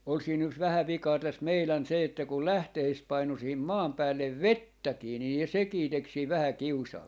oli siinä yksi vähän vikaa tässä meidän se että kun lähteistä painui siihen maan päälle vettäkin niin sekin teki siinä vähän kiusaa